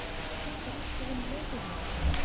Сез рус телен беләсезме?